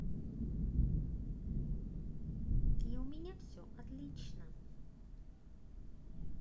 и у меня все отлично